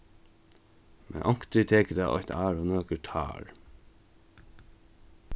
men onkuntíð tekur tað eitt ár og nøkur tár